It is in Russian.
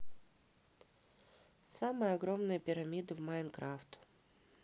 самая огромная пирамида в майнкрафт